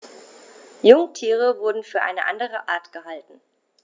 Jungtiere wurden für eine andere Art gehalten.